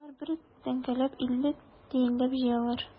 Алар бер тәңкәләп, илле тиенләп җыялар.